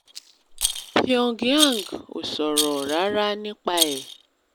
Pyongyang ‘ò sọ̀rọ̀ ràrà nípa ẹ̀.